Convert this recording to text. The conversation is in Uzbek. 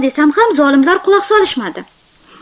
desam ham zolimlar quloq solishmadi